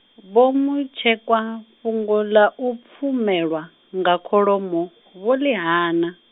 Vho Mutshekwa, fhungo ḽa u pfumelwa, nga kholomo, vho ḽi hana.